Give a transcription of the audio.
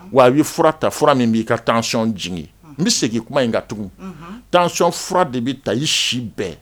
Wa i bi fura ta fura min b'i ka tension jigi, n bɛ segin kuma in kan tugun tensio fura de bɛ taa i si bɛɛ!